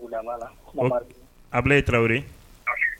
Ablayi Tarawele